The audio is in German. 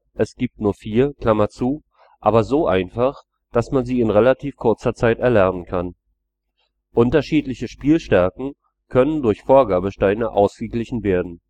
es gibt nur 4) aber so einfach, dass man sie in relativ kurzer Zeit erlernen kann. Unterschiedliche Spielstärken können durch Vorgabesteine ausgeglichen werden